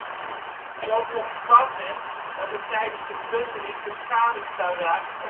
zo voorkwam men dat het tijdens de plundering beschadigd zou raken